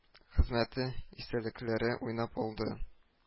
Хезмәте истәлекләре уйнап алды